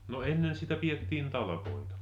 no ennen sitä pidettiin talkoita